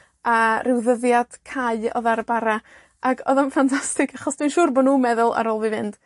a, ryw ddyddiad cau odd ar y bara, ag, odd o'n ffantastig, achos dwi'n siŵr bo' nw'n meddwl, ar ôl fi fynd